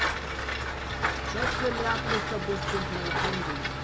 trøllið lat lítla bukkin fara framvið